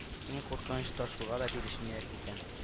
Ң куркыныч ташуга да бирешмиләр икән. ш